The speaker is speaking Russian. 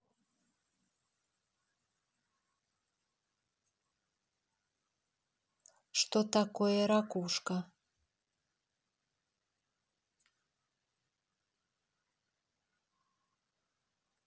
что такое ракушка